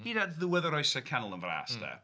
Hyd at ddiwedd yr oesoedd canol yn fras de.